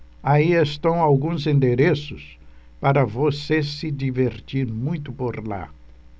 aí estão alguns endereços para você se divertir muito por lá